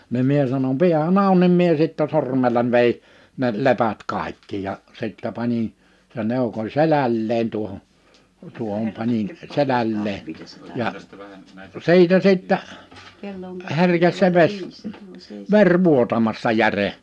niin minä sanoin pidähän auki niin minä sitten sormella vedin ne lepät kaikki ja sitten panin sen eukon selälleen tuohon tuohon panin selälleen ja siitä sitten herkesi se vesi veri vuotamasta jären